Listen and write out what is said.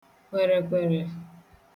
kwèrèkwèrè